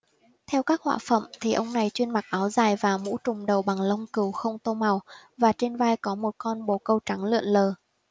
theo các họa phẩm thì ông này chuyên mặc áo dài và mũ trùm đầu bằng lông cừu không tô màu và trên vai có một con bồ câu trắng lượn lờ